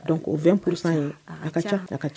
Dɔnku o bɛn p kurusan ye a ka ca a ka ca